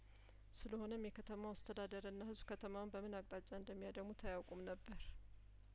ስለሆነም የከተማው አስተዳደርና ህዝብ ከተማውን በምን አቅጣጫ እንደሚያደሙት እያወቁም ነበር